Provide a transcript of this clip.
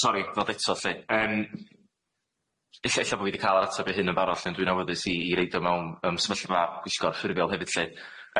Sori i ddod eto lly yym ella ella bo fi di ca'l yr ateb i hyn yn barod lly ond dwi'n awyddus i i reid o mewn yym sefyllfa pwyllgor ffurfiol hefyd lly.